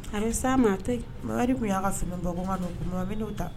A be s'a ma a to ye Momɛdi kun y'a ka finiw bɔ ko ŋan'u ko mama ben'u ta